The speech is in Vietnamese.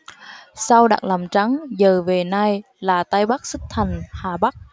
sau đặt làm trấn dời về nay là tây bắc xích thành hà bắc